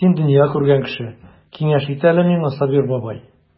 Син дөнья күргән кеше, киңәш ит әле миңа, Сабир бабай.